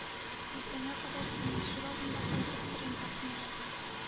Иртәнгә кадәр сезнең ишек алдында калдырып торыйм, Әхми бабай.